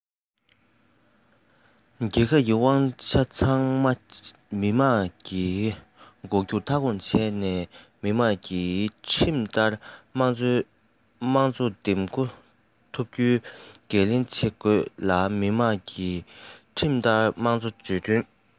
རྒྱལ ཁབ ཀྱི དབང ཆ ཚང མ མི དམངས ལ གཏོགས རྒྱུ མཐའ འཁྱོངས བྱས ནས མི དམངས ཀྱིས ཁྲིམས ལྟར དམངས གཙོ འདེམས བསྐོ ཐུབ རྒྱུའི འགན ལེན བྱེད དགོས ལ མི དམངས ཀྱིས ཁྲིམས ལྟར དམངས གཙོ ཇུས འདོན དང